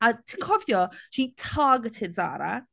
A ti'n cofio? She targeted Zara.